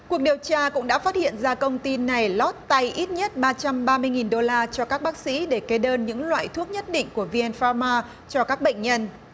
cuộc điều tra cũng đã phát hiện ra công ty này lót tay ít nhất ba trăm ba mươi nghìn đô la cho các bác sĩ để kê đơn những loại thuốc nhất định của vi en pho mao cho các bệnh nhân